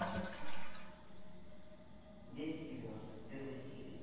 дети девяностых первые серии